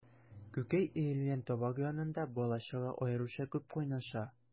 Күкәй өелгән табак янында бала-чага аеруча күп кайнаша.